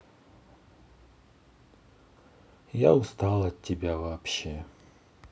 я устал от тебя вообще